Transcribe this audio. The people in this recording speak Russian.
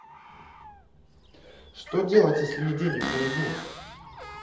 что делать если нет денег на еду